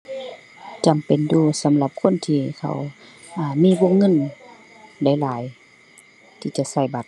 จำเป็นอยู่สำหรับคนที่เขา อ่า มีวงเงินหลายหลายที่จะใช้บัตร